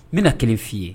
N bɛna na kelen f'i ye